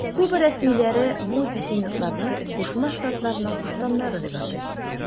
Куба рәсмиләре бу диссидентларны Кушма Штатларның куштаннары дип атый.